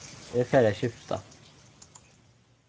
eg fari at skifta